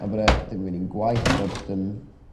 A bod e ddim rili'n gwaith mae jyst yn